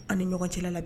An ni ɲɔgɔn ci lajɛ